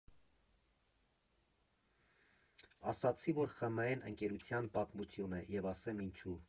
Ասացի, որ ԽՄԷ֊ն ընկերության պատմություն է, և ասեմ ինչու։